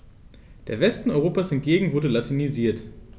Der Westen Europas hingegen wurde latinisiert.